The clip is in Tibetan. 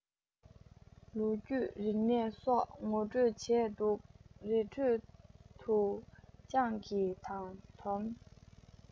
ལོ རྒྱུས རིག གནས སོགས ངོ སྤྲོད བྱས འདུག རི ཁྲོད དུ སྤྱང ཀི དང དོམ